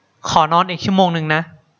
ขอนอนอีกชั่วโมงนึงนะ